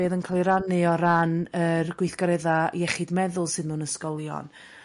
be o'dd yn ca'l 'i rannu o ran yr gwithgaredda' iechyd meddwl sydd mewn ysgolion.